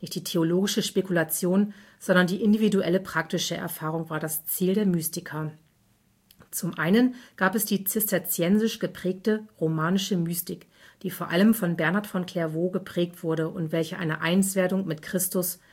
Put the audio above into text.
Nicht die theologische Spekulation, sondern die individuelle praktische Erfahrung war das Ziel der Mystiker. Zum einen gab es die zisterziensisch geprägte „ romanische Mystik “, die vor allem von Bernhard von Clairvaux geprägt wurde und welche eine Einswerdung mit Christus